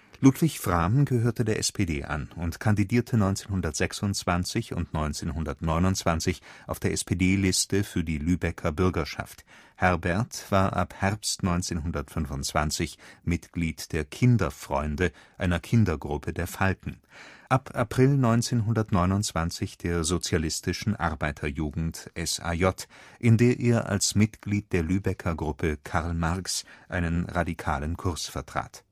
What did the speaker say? Ludwig Frahm gehörte der SPD an und kandidierte 1926 und 1929 auf der SPD-Liste für die Lübecker Bürgerschaft; Herbert war ab Herbst 1925 Mitglied der Kinderfreunde, einer Kindergruppe der Falken, ab April 1929 der Sozialistischen Arbeiter-Jugend (SAJ), in der er als Mitglied der Lübecker Gruppe Karl Marx einen radikalen Kurs vertrat